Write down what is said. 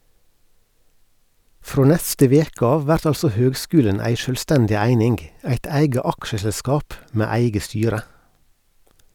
Frå neste veke av vert altså høgskulen ei sjølvstendig eining eit eige aksjeselskap med eige styre.